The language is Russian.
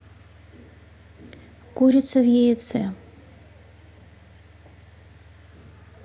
курица в яйце